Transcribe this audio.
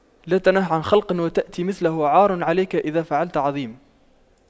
لا تنه عن خلق وتأتي مثله عار عليك إذا فعلت عظيم